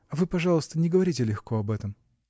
А вы, пожалуйста, не говорите легко об этом.